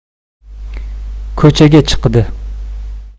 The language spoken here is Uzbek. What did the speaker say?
ko'chaga chiqdi